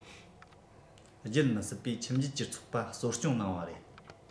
བརྗེད མི སྲིད པའི ཁྱིམ རྒྱུད ཀྱི ཚོགས པ གཙོ སྐྱོང གནང བ རེད